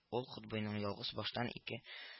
Ул котбыйның ялгыз баштан ике